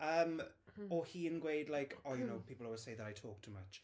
Yym, o hi'n gweud like "oh you know, people always say that I talk too much.